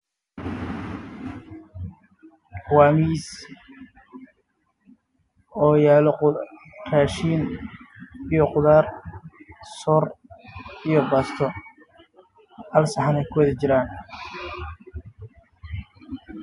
Waa miis ay dul saaran yihiin raashin hal sanxan kuwada jiraan